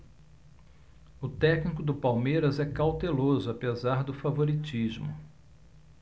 o técnico do palmeiras é cauteloso apesar do favoritismo